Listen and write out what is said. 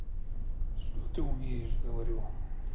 что ты умеешь говорю